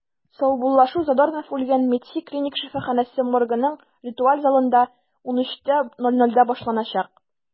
Саубуллашу Задорнов үлгән “МЕДСИ” клиник шифаханәсе моргының ритуаль залында 13:00 (мск) башланачак.